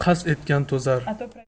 qasd etgan to'zar